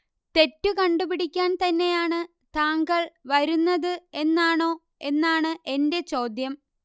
തെറ്റ് കണ്ടു പിടിക്കാൻ തന്നെയാണ് താങ്കൾ വരുന്നത് എന്നാണോ എന്നാണ് എന്റെ ചോദ്യം